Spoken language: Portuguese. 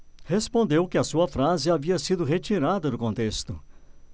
respondeu que a sua frase havia sido tirada do contexto